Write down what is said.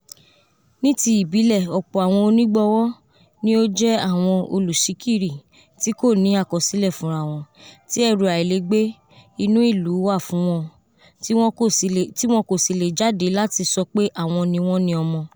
Niti ibilẹ, ọpọ awọn onigbọwọ nio jẹ awọn oluṣikiri ti koni akọsilẹ fun ra wọn, ti ẹru ailegbe inu ilu wa fun wọn ti wọn kosi le jade lati sọ pe awọn ni wọn ni ọmọ.